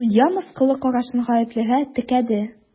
Судья мыскыллы карашын гаеплегә текәде.